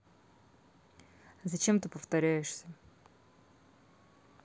зачем ты повторяешься